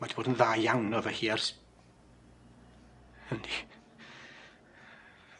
Ma' 'di bod yn dda iawn efo hi ers... Yndi.